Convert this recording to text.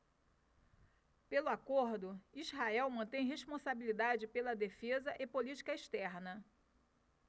pelo acordo israel mantém responsabilidade pela defesa e política externa